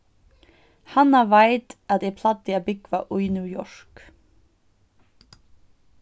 hanna veit at eg plagdi at búgva í new york